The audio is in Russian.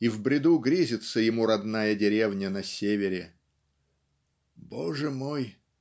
и в бреду грезится ему родная деревня на севере ("Боже мой